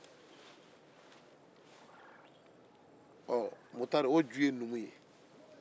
o ju ye numu ye mukutari